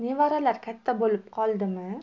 nevaralar katta bo'lib qoldimi